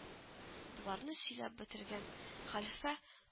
Боларны сөйләп бетергән, хәлфә